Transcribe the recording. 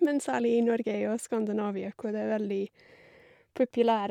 Men særlig i Norge og Skandinavia, hvor det er veldig populær.